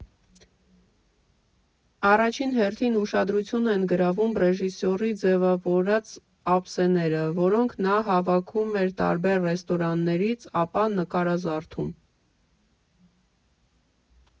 Առաջին հերթին ուշադրություն են գրավում ռեժիսորի ձևավորած ափսեները, որոնք նա հավաքում էր տարբեր ռեստորաններից, ապա նկարազարդում։